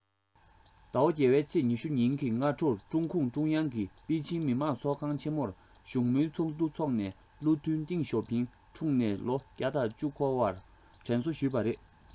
ཟླ ཚེས ཉིན གྱི སྔ དྲོར ཀྲུང གུང ཀྲུང དབྱང གིས པེ ཅིང མི དམངས ཚོགས ཁང ཆེ མོར བཞུགས མོལ ཚོགས འདུ འཚོགས ནས བློ མཐུན ཏེང ཞའོ ཕིང འཁྲུངས ནས ལོ འཁོར བར དྲན གསོ ཞུས པ རེད